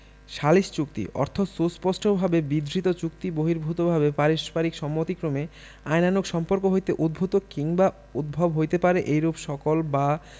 সালিস চুক্তি অর্থ সুস্পষ্টভাবে বিধৃত চুক্তিবহির্ভুতভাবে পারস্পরিক সম্মতিক্রমে আইনানুগ সম্পর্ক হইতে উদ্ভুত কিংবা উদ্ভব হইতে পারে এইরূপ সকল বা